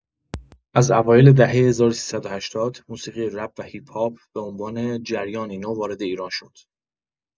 از اوایل دهۀ ۱۳۸۰، موسیقی رپ و هیپ‌هاپ به‌عنوان جریانی نو وارد ایران شد.